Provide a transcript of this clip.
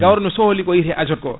gawri no sohli koç wiyate * ko